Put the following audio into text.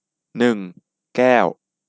หนึ่งแก้ว